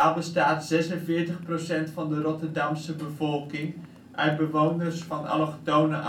bestaat 46 % van de Rotterdamse bevolking uit bewoners van allochtone